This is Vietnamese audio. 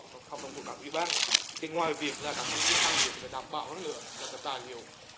tập hoạt động của các ủy ban thì ngoài việc là các thành viên tham dự thi phải đảm bảo hơn nữa là cái tài liệu